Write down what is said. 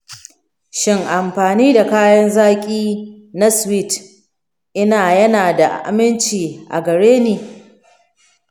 shin amfani da kayan zaƙi na sweet ina yana da aminci a gare ni?